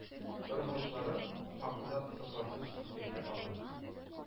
Ыргылышлары хакында соклангыч дип әйтә алам.